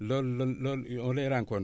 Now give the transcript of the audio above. loolu loolu loolu on les recontre